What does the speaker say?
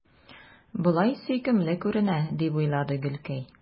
Болай сөйкемле күренә, – дип уйлады Гөлкәй.